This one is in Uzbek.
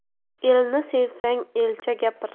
elni sevsang elcha gapir